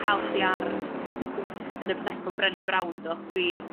ca'l chdi ar yn obsessed 'fo Brené Brown do dwi...